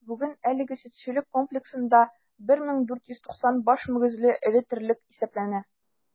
Бүген әлеге сөтчелек комплексында 1490 баш мөгезле эре терлек исәпләнә.